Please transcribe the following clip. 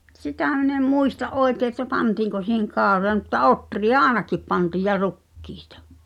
mutta sitä minä en muista oikein että pantiinko siihen kauroja mutta ohria ainakin pantiin ja rukiita